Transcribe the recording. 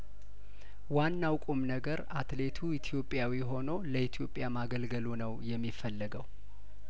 ዋናው ቁም ነገር አትሌቱ ኢትዮጵያዊ ሆኖ ለኢትዮጵያ ማገልገሉ ነው የሚፈለገው